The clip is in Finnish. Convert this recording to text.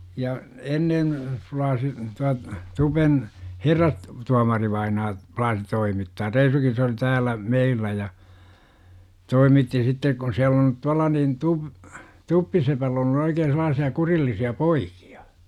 ja ennen plaasi tuo tupen - herrastuomarivainaa plaasi toimittaa reisunkin se oli täällä meillä ja toimitti sitten kun siellä on tuolla niin - tuppisepällä - ollut oikein sellaisia kurillisia poikia